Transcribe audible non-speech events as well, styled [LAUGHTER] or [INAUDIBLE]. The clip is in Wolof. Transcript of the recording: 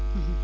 [HESITATION] [HESITATION]